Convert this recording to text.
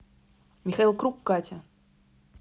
михаил круг катя